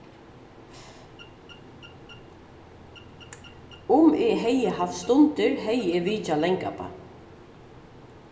um eg hevði havt stundir hevði eg vitjað langabba